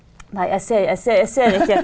jeg ser jeg jeg ser ikke.